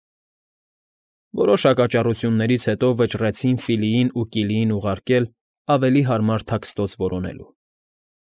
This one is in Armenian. Որոշ հակաճառություններից հետո վճռեցին Ֆիլիին ու Կիլիին ուղարկել ավելի հարմար թաքստոց որոնելու։